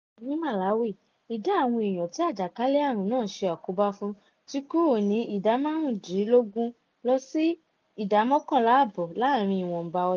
Fún àpẹẹrẹ, ní Malawi ìdá àwọn èèyàn tí àjàkálẹ̀-àrùn náà ṣe àkóbá fún ti kúrò ní 15% lọ sí 11.5% láàárín ìwọ̀nba ọdún.